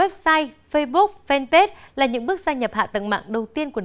goep sai phây búc phan pết là những bước gia nhập hạ tầng mạng đầu tiên của